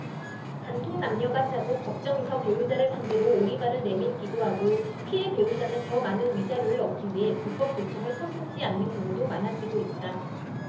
간통 남녀가 짜고 법정에서 배우자를 상대로 오리발을 내밀기도 하고 피해 배우자는 더 많은 위자료를 얻기 위해 불법 도청을 서슴지 않는 경우도 많아지고 있다